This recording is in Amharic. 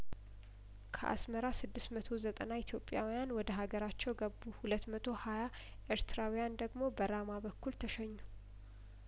ከአስመራ ስድስት መቶ ዘጠና ኢትዮጵያውያን ወደ ሀገራቸው ገቡ ሁለት መቶ ሀያ ኤርትራውያን ደግሞ በራማ በኩል ተሸኙ